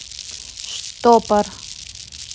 штопор